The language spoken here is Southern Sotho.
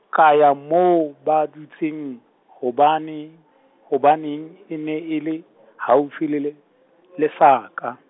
ka ya moo ba dutseng, hobane, hobaneng e ne e le, haufi le le-, lesaka.